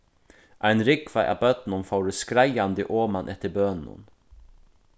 ein rúgva av børnum fóru skreiðandi oman eftir bønum